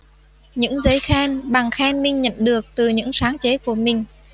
những giấy khen bằng khen minh nhận được từ những sáng chế của mình